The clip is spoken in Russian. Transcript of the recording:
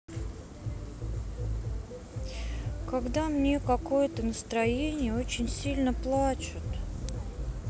когда мне какое то настроение очень сильно плачут